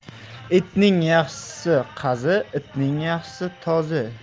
etning yaxshisi qazi itning yaxshisi tozi